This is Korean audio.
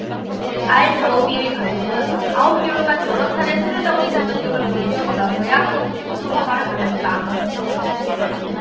알 자우비의 가족은 아홉 개월간 여러 차례 서류작업 면접 등을 거치고 나서야 미국 이주 허가를 받았다